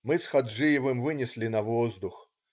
Мы с Хаджиевым вынесли на воздух.